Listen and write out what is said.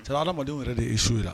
Sa ha adamadamadenw yɛrɛ de' su ye la